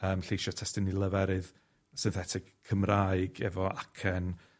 yym lleisia' testun i leferydd synthetic Cymraeg, efo acen